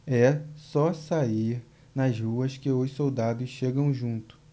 é só sair nas ruas que os soldados chegam junto